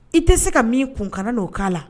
I te se ka min kun kana n'o k'a la